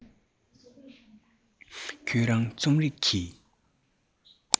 ཁྱོད རང རྩོམ རིག གི